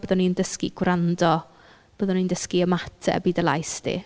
Byddwn ni'n dysgu gwrando, byddwn ni'n dysgu ymateb i dy lais di.